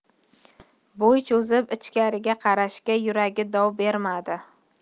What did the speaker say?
bo'y cho'zib ichkariga qarashga yuragi dov bermadi